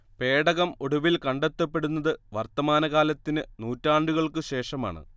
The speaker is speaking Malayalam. പേടകം ഒടുവിൽ കണ്ടെത്തപ്പെടുന്നത് വർത്തമാനകാലത്തിന് നൂറ്റാണ്ടുകൾക്ക് ശേഷമാണ്